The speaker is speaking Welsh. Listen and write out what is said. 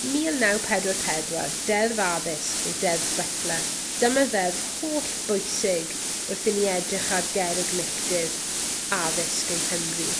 Mil naw pedwar pedwar Deddf Addysg neu Deddf Butler dyma ddeddf hollbwysig wrth i ni edrych ar gerrig milltir addysg yng Nghymru.